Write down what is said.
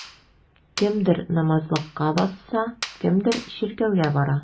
Кемдер намазлыкка басса, кемдер чиркәүгә бара.